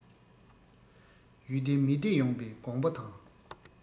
ཡུལ བདེ མི བདེ ཡོངས པའི དགོངས པ དང